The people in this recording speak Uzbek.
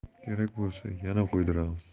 kerak bo'lsa yana qo'ydiramiz